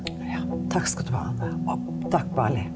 ja takk skal du ha Anne og takk Barley.